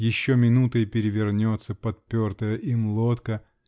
Еще минута -- и перевернется подпертая им лодка!